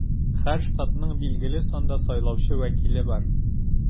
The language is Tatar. Һәр штатның билгеле санда сайлаучы вәкиле бар.